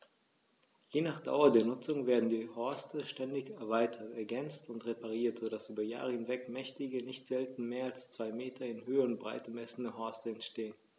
Je nach Dauer der Nutzung werden die Horste ständig erweitert, ergänzt und repariert, so dass über Jahre hinweg mächtige, nicht selten mehr als zwei Meter in Höhe und Breite messende Horste entstehen.